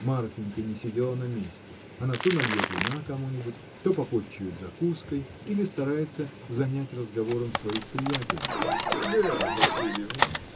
Марфинька не сидела на месте: она то нальет вина кому-нибудь, то попотчует закуской или старается занять разговором своих приятельниц. — Вера Васильевна!